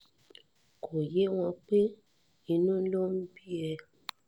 Kò yé wọn pé inú ló ń bí ẹ.